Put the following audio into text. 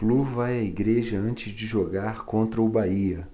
flu vai à igreja antes de jogar contra o bahia